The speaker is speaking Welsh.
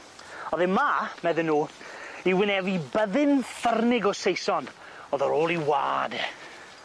O'dd e 'ma, medden nw i wynebu byddin ffyrnig o Saeson o'dd ar ôl i wâd e.